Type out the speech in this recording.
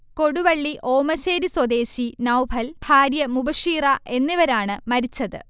കൊടുവളളി ഓമശ്ശേരി സ്വദേശി നൗഫൽ, ഭാര്യ മുബഷീറ എന്നിവരാണ് മരിച്ചത്